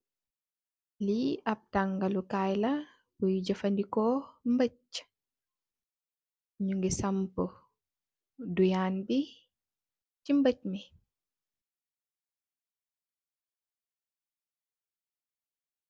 Li ap tanga lu Kai la buy jafandiko mbëj, ñu ngi sampu duyanbi ci mbëj mi.